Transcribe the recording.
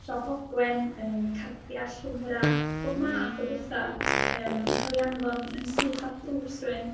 Siop Ogwen yym cardiau, llyfrau, bob math o betha yym yn cael eu hanfon yn syth at ddrws rywun.